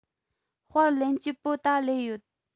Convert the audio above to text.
དཔར ལེན སྤྱད པོ ད ལོས ཡོད